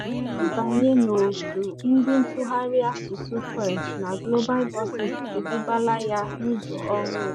Ịbanye n'òtù ndị ntụgharị asụsụ French na Global Voices edubala ya n'ụzọ ọhụrụ.